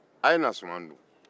aw ye na suman dun